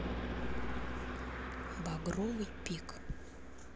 багровый пик